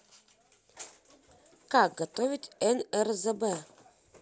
как готовить нрзб